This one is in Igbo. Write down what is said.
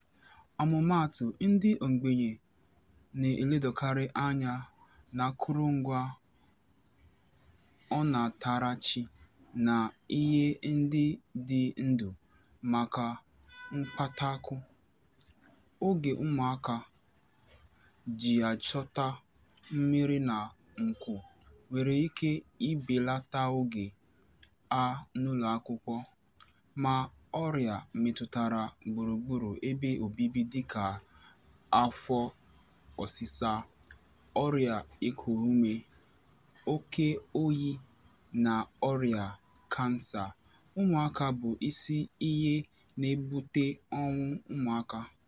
Ọmụmaatụ, ndị ogbenye na-eledokarị anya n'akụrụngwa ọnatarachi na ihe ndị dị ndụ maka mkpataakụ; oge ụmụaka ji achịkọta mmiri na nkụ nwere ike ibelata oge ha n'ụlọakwụkwọ; ma ọrịa metụtara gburugburu ebe obibi dịka afọ ọsịsa, ọrịa iku ume, oké oyi na ọrịa kansa ụmụaka bụ isi ihe na-ebute ọnwụ ụmụaka.